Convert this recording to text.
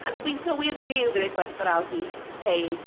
A gobeithio wir Dduw bydd e’n gwerthfawrogi Paige.